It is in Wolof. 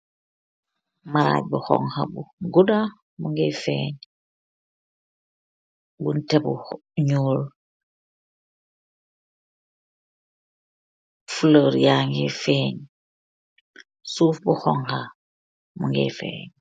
Marraj bu hougka bu gudaa, bunta bu njul ak ayyi fuloor yuu wertaa.